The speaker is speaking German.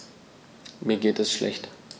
Mir geht es schlecht.